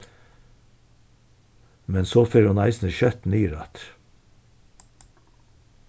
men so fer hon eisini skjótt niður aftur